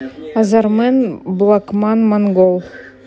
азармен блокман монгол